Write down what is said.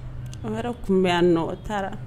Mɔhamɛdi tun bɛ yan nɔ o taara